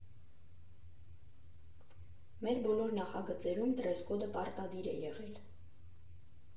Մեր բոլոր նախագծերում դրեսկոդը պարտադիր է եղել։